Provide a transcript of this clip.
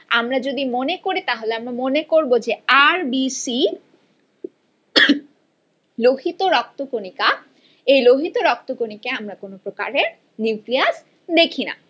আমরা যদি মনে করি তাহলে আমরা মনে করব যে আর বি সি লোহিত রক্ত কণিকা এই লোহিত রক্তকণিকায় আমরা কোন প্রকারের নিউক্লিয়াস দেখি না